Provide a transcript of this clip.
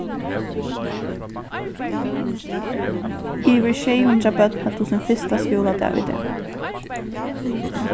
yvir sjey hundrað børn høvdu sín fyrsta skúladag í dag